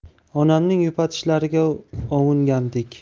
onamning yupatishlariga ovungandek